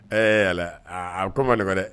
Ɛɛ allah a ko ma nɔgɔ dɛ.